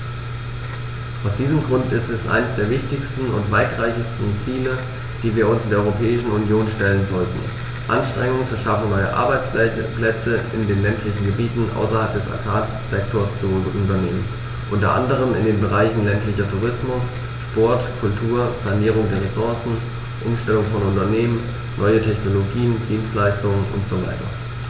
Aus diesem Grund ist es eines der wichtigsten und weitreichendsten Ziele, die wir uns in der Europäischen Union stellen sollten, Anstrengungen zur Schaffung neuer Arbeitsplätze in den ländlichen Gebieten außerhalb des Agrarsektors zu unternehmen, unter anderem in den Bereichen ländlicher Tourismus, Sport, Kultur, Sanierung der Ressourcen, Umstellung von Unternehmen, neue Technologien, Dienstleistungen usw.